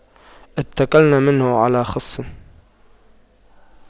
اتَّكَلْنا منه على خُصٍّ